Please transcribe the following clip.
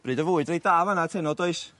bryd o fwyd reit da yn fan 'na at heno does?